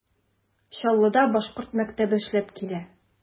Чаллыда башкорт мәктәбе эшләп килә.